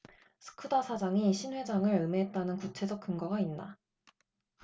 스쿠다 사장이 신 회장을 음해했다는 구체적 근거가 있나